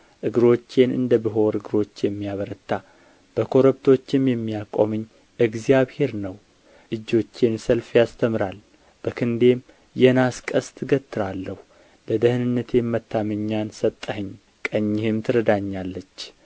እግሮቼን እንደ ብሖር እግሮች የሚያረታ በኮረብቶችም የሚያቆመኝ እግዚአብሔር ነው እጆቼን ሰልፍ ያስተምራል በክንዴም የናስ ቀስት እገትራለሁ ለደኅንነቴም መታመኛን ሰጠኸኝ ቀኝህም ትረዳኛለች